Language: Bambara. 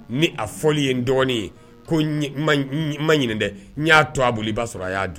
Ni a fɔli ye n dɔgɔnin ye ko n n ma ɲinɛ dɛ! n y'a to a bolo i b'a sɔrɔ a y'a dun